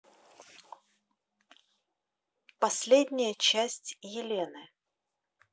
последняя часть елены